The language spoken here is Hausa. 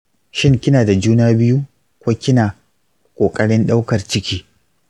shin kina da juna biyu ko kina ƙoƙarin ɗaukar ciki?